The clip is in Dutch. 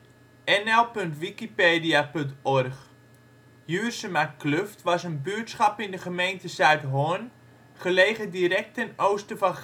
53° 16′ NB, 6° 19′ OL Juursemakluft was een buurtschap in de gemeente Zuidhorn, gelegen direct ten oosten van